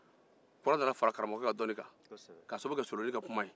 kura nana fara karamɔgɔkɛ ka dɔnni kan k'a sababu kɛ soloni ka kuma ye